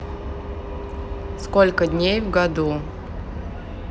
сколько дней в году